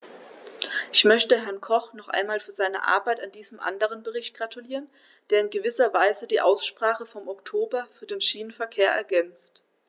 Ich möchte Herrn Koch noch einmal für seine Arbeit an diesem anderen Bericht gratulieren, der in gewisser Weise die Aussprache vom Oktober über den Schienenverkehr ergänzt.